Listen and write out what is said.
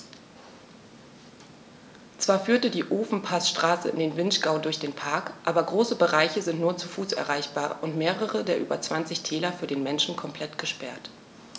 Zwar führt die Ofenpassstraße in den Vinschgau durch den Park, aber große Bereiche sind nur zu Fuß erreichbar und mehrere der über 20 Täler für den Menschen komplett gesperrt.